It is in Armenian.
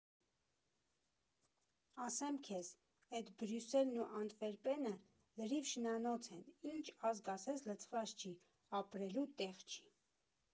Ասեմ քեզ, էդ Բրյուսելն ու Անտվերպենը լրիվ շնանոց են, ինչ ազգ ասես լցված չի, ապրելու տեղ չի։